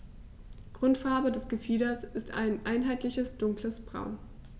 Grundfarbe des Gefieders ist ein einheitliches dunkles Braun.